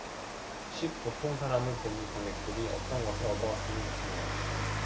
십 보통사람을 보는 관객들이 어떤 것을 얻어갔으면 좋겠나